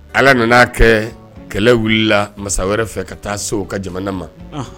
Ala nana kɛ kɛlɛ wulila masa wɛrɛ fɛ ka taa se u ka jamana ma, ɔnhɔn